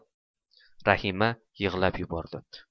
rahima yig'lab yubordi